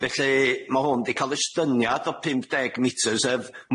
Felly ma' hwn 'di ca'l estyniad o pum deg mitr sef